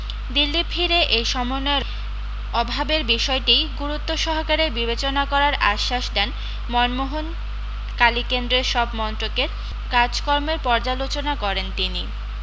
দিল্লী ফিরে এই সমন্বয়ের অভাবের বিষয়টিই গুরুত্ব সহকারে বিবেচনা করার আশ্বাস দেন মনমোহন কালি কেন্দ্রের সব মন্ত্রকের কাজকর্মের পর্যালোচনা করেন তিনি